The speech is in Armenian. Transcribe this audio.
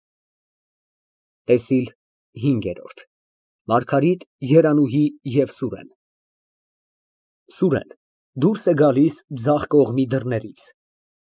ՏԵՍԻԼ ՀԻՆԳԵՐՈՐԴ ՄԱՐԳԱՐԻՏ, ԵՐԱՆՈՒՀԻ ԵՎ ՍՈՒՐԵՆ ՍՈՒՐԵՆ ֊ (Դուրս է գալիս ձախ կողմի դռներից)։